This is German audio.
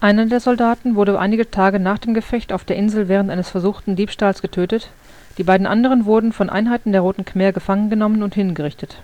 Einer der Soldaten wurde einige Tage nach dem Gefecht auf der Insel während eines versuchten Diebstahl getötet, die beiden anderen wurden von Einheiten der Roten Khmer gefangengenommen und hingerichtet